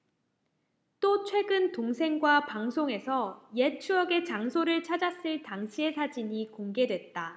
또 최근 동생과 방송에서 옛 추억의 장소를 찾았을 당시의 사진이 공개됐다